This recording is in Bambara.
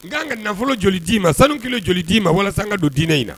N' ka nafolo joli d'i ma sanu ki joli di' ma walasa n ka don diinɛ in na